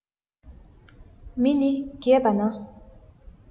མི ནི རྒས པ ན